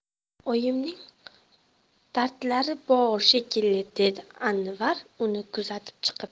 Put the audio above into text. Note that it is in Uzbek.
oyimning dardlari bor shekilli dedi anvar uni kuzatib chiqib